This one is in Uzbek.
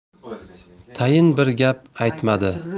tayin bir gap aytmadi